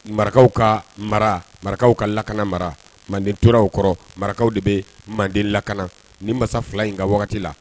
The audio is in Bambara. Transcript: Marakaw ka mara marakaw ka lakana mara manden toraw kɔrɔ marakaw de bɛ manden lakana ni masa fila in ka wagati la